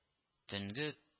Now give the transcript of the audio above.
Төнге